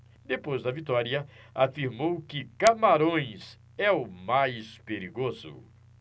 depois da vitória afirmou que camarões é o mais perigoso